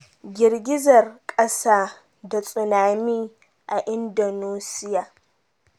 Girgizar kasa da tsunami a Indonesia